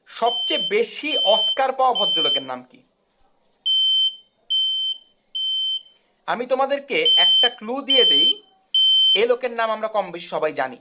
সবচেয়ে বেশি অস্কার পাওয়া ভদ্রলোকের নাম কি আমি তোমাদেরকে একটা ক্লু দিয়ে দেই এ লোকের নাম আমরা কমবেশি সবাই জানি